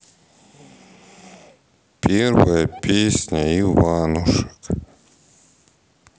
первая песня иванушек